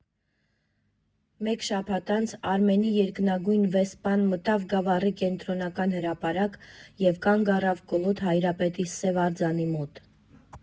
Մեկ շաբաթ անց Արմենի երկնագույն «Վեսպան» մտավ Գավառի կենտրոնական հրապարակ և կանգ առավ Կոլոտ Հայրապետի սև արձանի մոտ։